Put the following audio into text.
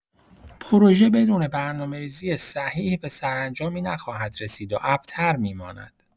پروژه بدون برنامه‌ریزی صحیح به سرانجامی نخواهد رسید و ابتر می‌ماند.